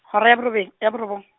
hora ya bo robobe-, ya bo robong.